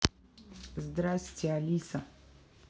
здрасте алиса